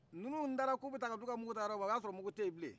nunuw taara k'u bɛ taa ka t'u ka mungu ta yɔrɔ min na o y'a sɔrɔ mungu te yen bilen